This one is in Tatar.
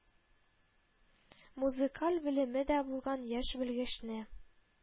Музыкаль белеме дә булган яшь белгечне